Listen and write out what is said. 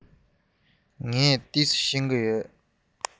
ཏོག ཙམ ཤེས ཀྱི ཡོད